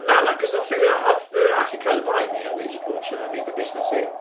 Na na cys wnaeth rywun a- oedd rhywun arall 'di cerddad o flaen fi a oedd hi jyst bownsio yna'n meindio busnas hi,